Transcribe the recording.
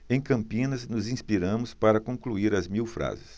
em campinas nos inspiramos para concluir as mil frases